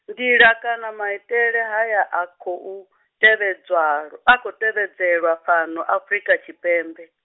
nḓila kana maitele haya a khou, tevhedzwalwo-, a khou tevhedzelwa fhano Afurika Tshipembe.